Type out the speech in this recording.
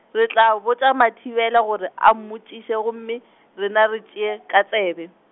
re tla botša Mathibela gore a mmotšiše gomme, rena re tšee ka tsebe.